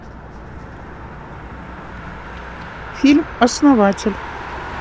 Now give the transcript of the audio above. фильм основатель